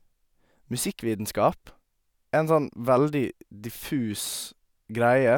Musikkvitenskap er en sånn veldig diffus greie.